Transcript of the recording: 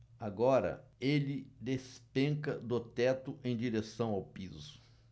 agora ele despenca do teto em direção ao piso